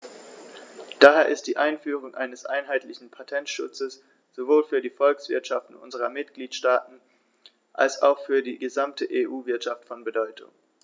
Daher ist die Einführung eines einheitlichen Patentschutzes sowohl für die Volkswirtschaften unserer Mitgliedstaaten als auch für die gesamte EU-Wirtschaft von Bedeutung.